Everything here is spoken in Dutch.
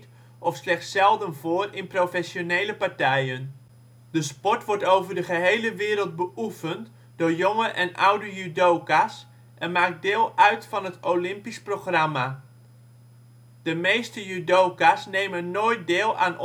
zelden voor in professionele partijen. De sport wordt over de gehele wereld beoefend door jonge en oude judoka 's en maakt deel uit van het olympisch programma. De meeste judoka 's nemen nooit deel aan